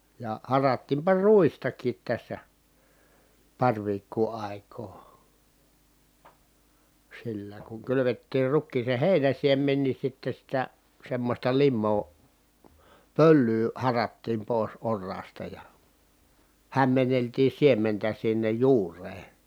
ja harattiinpa ruistakin tässä pari viikkoa aikaa sillä kun kylvettiin rukiiseen heinänsiemen niin sitten sitä semmoista limaa pölyä harattiin pois oraasta ja hämmenneltiin siementä sinne juureen